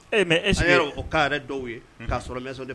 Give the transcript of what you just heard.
E mɛ e o k' yɛrɛ dɔw ye k'a sɔrɔ mɛ